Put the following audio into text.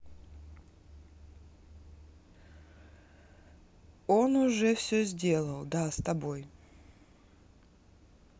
он уже все сделал да с тобой